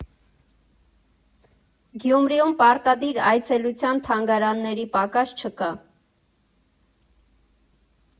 Գյումրիում պարտադիր այցելության թանգարանների պակաս չկա։